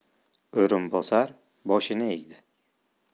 o'rinbosar boshini egdi